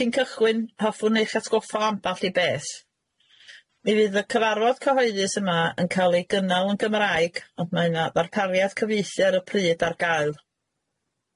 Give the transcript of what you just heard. Cyn cychwyn hoffwn eich atgoffa o ambell i beth. Mi fydd y cyfarfod cyhoeddus yma yn ca'l ei gynnal yn Gymraeg ond mae yna ddarpariad cyfieithu ar y pryd ar gael.